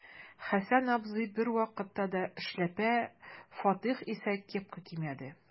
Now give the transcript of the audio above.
Хәсән абзый бервакытта да эшләпә, Фатих исә кепка кимәде.